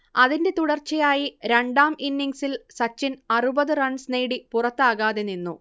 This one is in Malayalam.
അതിന്റെ തുടർച്ചയായി രണ്ടാം ഇന്നിംങ്സിൽ സച്ചിൻ അറുപത് റൺസ് നേടി പുറത്താകാതെനിന്നു